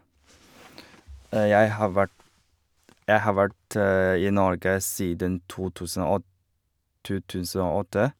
jeg har vært Jeg har vært i Norge siden to tusen og to tusen og åtte.